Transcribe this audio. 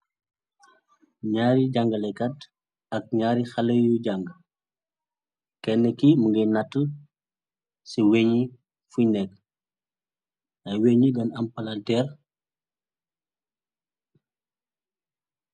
ñaari jàngalekat ak ñaari xale yu jàng kenn ki mu ngay nattu ci weñi fuy nekk ay wegni gan ampala deer